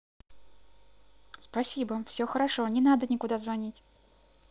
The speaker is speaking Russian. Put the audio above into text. спасибо все хорошо не надо никуда звонить